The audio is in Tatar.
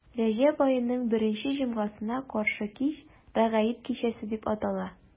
Рәҗәб аеның беренче җомгасына каршы кич Рәгаиб кичәсе дип атала.